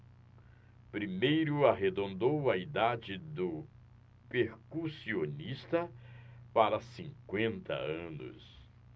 primeiro arredondou a idade do percussionista para cinquenta anos